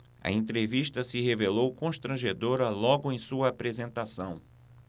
a entrevista se revelou constrangedora logo em sua apresentação